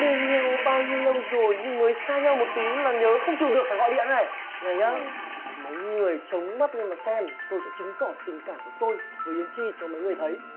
bên nhau bao nhiêu lâu rồi nhưng mới xa nhau một tí là nhớ không chịu được phải gọi điện đây này này nhớ mấy người chống mắt lên mà xem tôi sẽ chứng tỏ tình cảm của tôi với yến chi cho mọi người thấy